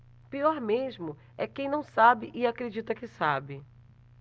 pior mesmo é quem não sabe e acredita que sabe